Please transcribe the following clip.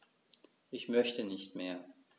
Ich möchte nicht mehr.